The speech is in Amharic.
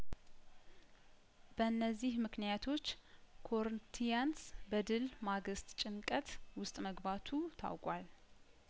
በእነዚህ ምክንያቶች ኮርንቲያንስ በድል ማግስት ጭንቀት ውስጥ መግባቱ ታውቋል